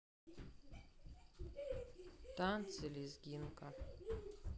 танцы лезгинка